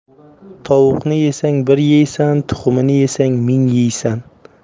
tovuqni yesang bir yeysan tuxumini yesang ming yeysan